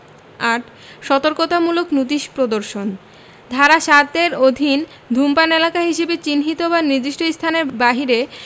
৮ সতর্কতামূলক নোটিশ প্রদর্শন ধারা ৭ এর অধীন ধুমপান এলাকা হিসাবে চিহ্নিত বা নির্দিষ্ট স্থানের বাহিরে